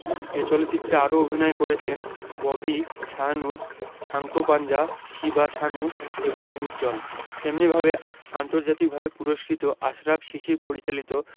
এ চলচ্চিত্রে আরও অভিনয় করেছেন ববি শাহনূর সাঙ্কোপাঞ্জা শিবা সানু এবং উজ্জ্বল তেমনিভাবে আন্তর্জাতিকভাবে পুরস্কৃত আশরাফ শিশির পরিচালিত